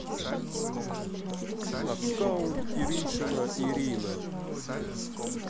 аккаунт кирюшина ирина